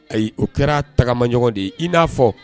Ayi o kɛra tagamaɲɔgɔn de ye i n'a fɔ